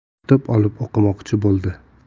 kitob olib o'qimoqchi bo'ldi